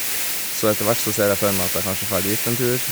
Så etter hvert så ser jeg for meg at jeg kanskje fær dit en tur.